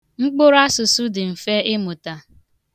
Mkpụrụasụsụ dị mfe ịmụta.